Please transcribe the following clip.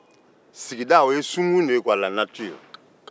sigida ye sunkun de ye